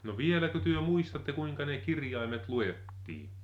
no vieläkö te muistatte kuinka ne kirjaimet luettiin